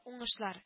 Уңышлар